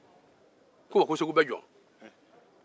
ko wa segu bɛɛ jɔn